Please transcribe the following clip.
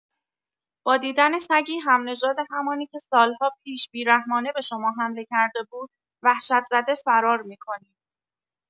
با دیدن سگی هم‌نژاد همانی که سال‌ها پیش بی‌رحمانه به شما حمله کرده بود، وحشت‌زده فرار می‌کنید.